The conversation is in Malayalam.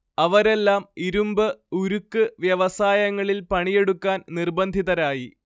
അവരെല്ലാം ഇരുമ്പ്, ഉരുക്ക് വ്യവസായങ്ങളിൽ പണിയെടുക്കാൻ നിർബന്ധിതരായി